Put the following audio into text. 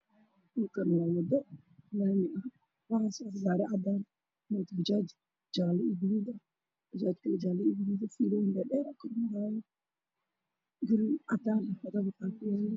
Halkaan waxaa ka muuqdo gaari cadaan ah oo taagan wadada geesgeeda